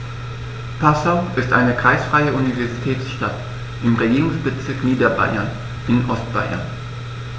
Passau ist eine kreisfreie Universitätsstadt im Regierungsbezirk Niederbayern in Ostbayern.